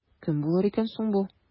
Кем булыр икән соң бу?